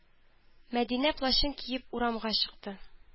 Мәдинә плащын киеп урамга чыкты.